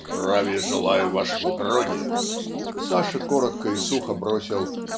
"Здравия желаю, ваше благородие!" Саша коротко и сухо бросил